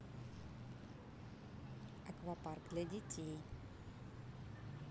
аквапарк для детей